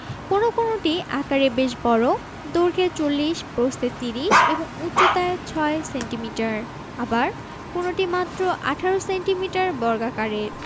কোন কোনটি আকারে বেশ বড় দৈর্ঘ্যে ৪০ প্রস্থে ৩০ এবং উচ্চতায় ৬ সেন্টিমিটার আবার কোন কোনটি মাত্র ১৮ সেন্টিমিটার বর্গাকারের